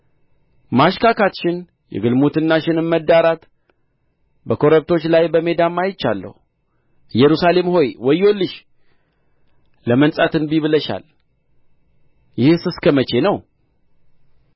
ማሽካካትሽን የግልሙትናሽንም መዳራት በኮረብቶች ላይ በሜዳም አይቻለሁ ኢየሩሳሌም ሆይ ወዮልሽ ለመንጻት እንቢ ብለሻል ይህስ እስከ መቼ ነው